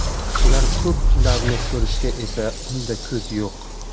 ular ko'p ularni ko'rishga esa unda ko'z yo'q